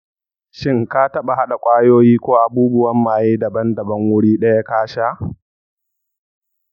shin ka taɓa haɗa ƙwayoyi ko abubuwan maye daban-daban wuri guda ka sha?